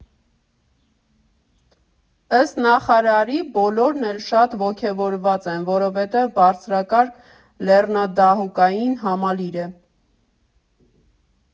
Ըստ նախարարի՝ բոլորն էլ շատ ոգևորված են, որովհետև բարձրակարգ լեռնադահուկային համալիր է.